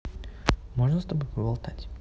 можно с тобой поболтать